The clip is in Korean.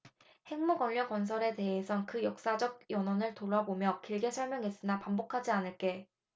핵무력건설에 대해선 그 역사적 연원을 돌아보며 길게 설명했으니 반복하지 않을게